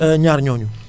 ñaar ñooñu